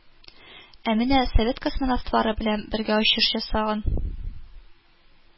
Ә менә совет космонавтлары белән бергә очыш ясаган